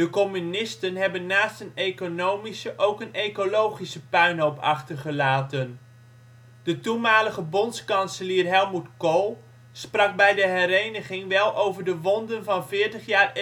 communisten hebben naast een economische ook een ecologische puinhoop achtergelaten. De toenmalige bondskanselier Helmut Kohl sprak bij de hereniging wel over de ' wonden van 40 jaar